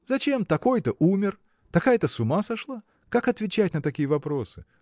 Зачем такой-то умер, такая-то с ума сошла? – как отвечать на такие вопросы?